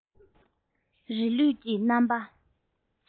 རྗེས ལུས ཀྱི རྣམ པ